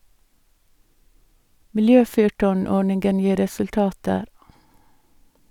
Miljøfyrtårn-ordningen gir resultater.